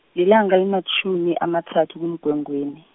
lilanga elimatjhumi amathathu kuMgwengweni.